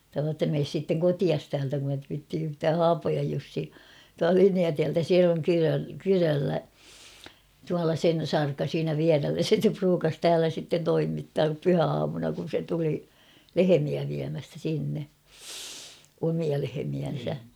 sanoo että mene sitten kotiisi täältä kun et viitsi yhtään Haapojan Jussi tuolta Linjatieltä se on - kyröllä tuolla sen sarka siinä vierellä se sitä ruukasi täällä sitten toimittaa pyhäaamuna kun se tuli lehmiä viemästä sinne omia lehmiänsä